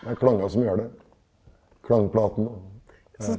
det er klangene som gjør det klangplaten og .